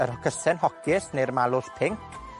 yr Hwcysen Hocys ne'r Malws Pinc.